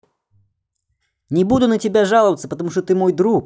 не буду тебя жаловаться потому что ты мой друг